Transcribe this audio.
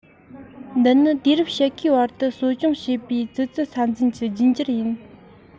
འདི ནི དུས རབས ཕྱེད ཀའི བར དུ གསོ སྐྱོང བྱས པའི ཙི ཙི ས འཛིན གྱི རྒྱུད འགྱུར ཡིན